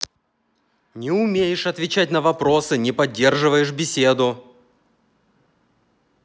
не умеешь отвечать на вопросы не поддерживаешь беседу